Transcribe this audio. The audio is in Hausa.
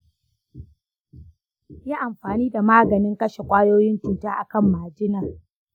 yi amfani da maganin kashe ƙwayoyin cuta a kan majinar.